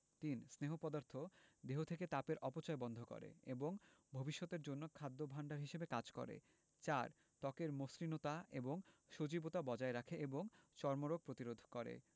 ৩. স্নেহ পদার্থ দেহ থেকে তাপের অপচয় বন্ধ করে এবং ভবিষ্যতের জন্য খাদ্য ভাণ্ডার হিসেবে কাজ করে ৪. ত্বকের মসৃণতা এবং সজীবতা বজায় রাখে এবং চর্মরোগ প্রতিরোধ করে